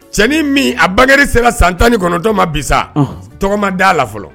Cɛnin min a bangekɛ sera ka san tan ni kɔnɔtɔ ma bi sa tɔgɔma da' a la fɔlɔ